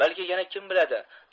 balki yana kim biladi